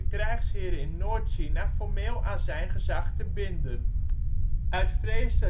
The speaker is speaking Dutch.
krijgsheren in Noord-China formeel aan zijn gezag te binden. Uit vrees